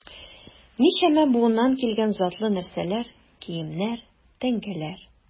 Ничәмә буыннан килгән затлы нәрсәләр, киемнәр, тәңкәләр...